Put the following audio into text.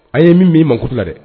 A' ye min min mantu la dɛ